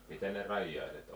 mitä ne rajaiset oli